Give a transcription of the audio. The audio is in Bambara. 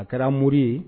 A kɛra mori ye